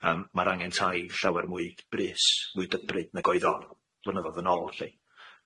Yym ma'r angen tai llawer mwy brys mwy dybryd nag oedd o flynyddoedd yn ôl lly.